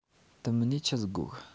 དེ མིན ནས ཆི ཟིག དགོ གི